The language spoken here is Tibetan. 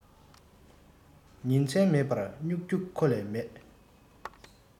ཉིན མཚན མེད པར རྨྱུག རྒྱུ ཁོ ལས མེད